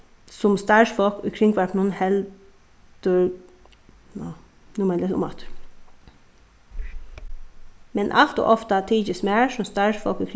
sum starvsfólk í kringvarpinum heldur ná nú má eg lesa umaftur men alt ov ofta tykist mær sum starvsfólk í